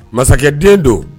Masakɛ den don